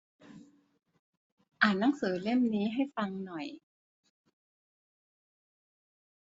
อ่านหนังสือเล่มนี้ให้ฟังหน่อย